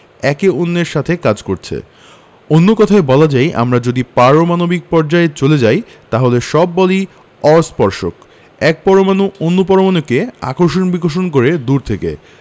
একে অন্যের সাথে কাজ করছে অন্য কথায় বলা যায় আমরা যদি পারমাণবিক পর্যায়ে চলে যাই তাহলে সব বলই অস্পর্শক এক পরমাণু অন্য পরমাণুকে আকর্ষণ বিকর্ষণ করে দূর থেকে